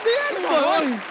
điên